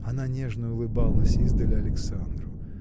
Она нежно улыбалась издали Александру.